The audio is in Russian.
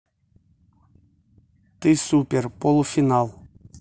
ты супер полуфинал